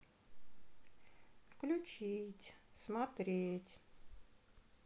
включить смотреть